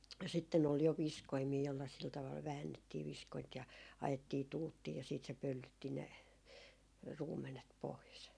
sitten oli jo viskoimia jolla sillä tavalla väännettiin viskointa ja ajettiin tuuttiin ja sitten se pöllytti ne ruumenet pois